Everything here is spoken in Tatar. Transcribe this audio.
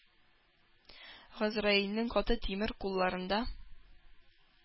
Газраилнең каты тимер кулларында.